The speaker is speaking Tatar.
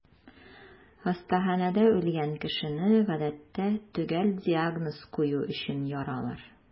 Хастаханәдә үлгән кешене, гадәттә, төгәл диагноз кую өчен яралар.